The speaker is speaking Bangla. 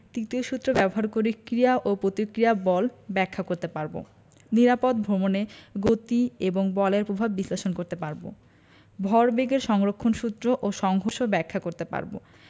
তিতীয় সূত্র ব্যবহার করে ক্রিয়া ও প্রতিক্রিয়া বল ব্যাখ্যা করতে পারব নিরাপদ ভমণে গতি এবং বলের পভাব বিশ্লেষণ করতে পারব ভরবেগের সংরক্ষণ সূত্র ও সংঘর্ষ ব্যাখ্যা করতে পারব